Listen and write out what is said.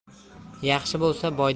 yaxshi bo'lsa boydan